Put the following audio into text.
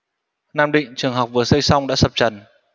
nam định trường học vừa xây xong đã sập trần